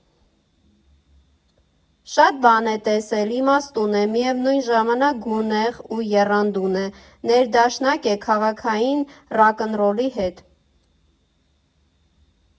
Շատ բան է տեսել, իմաստուն է, միևնույն ժամանակ գունեղ ու եռանդուն է, ներդաշնակ է քաղաքային ռաքնռոլի հետ։